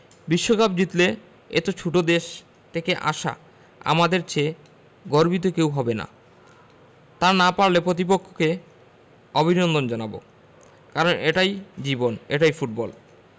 বিশ্বকাপ জিতলে এত ছোট্ট দেশ থেকে আসা আমাদের চেয়ে গর্বিত কেউ হবে না তা না পারলে প্রতিপক্ষকে অভিনন্দন জানাব কারণ এটাই জীবন এটাই ফুটবল